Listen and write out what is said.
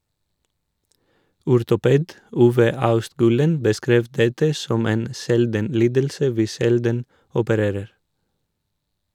Ortoped Ove Austgulen beskrev dette som en "sjelden lidelse vi sjelden opererer".